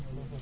bu wow